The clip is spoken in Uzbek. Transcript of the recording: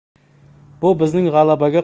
bu bizning g'alabaga